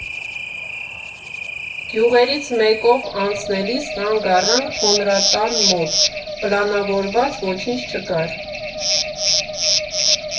Գյուղերից մեկով անցնելիս կանգ առանք թոնրատան մոտ, պլանավորված ոչինչ չկար։